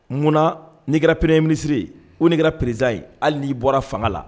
Munna nii kɛra premier ministre ye ou ni kɛra présiden ye, hali n'i bɔra fanga la